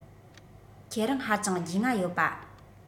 ཁྱེད རང ཧ ཅང རྒྱུས མངའ ཡོད པ